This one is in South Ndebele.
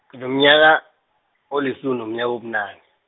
nginomnyaka, olisumi nomnyaka obunane.